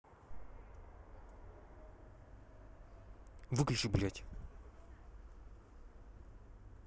выключи блядь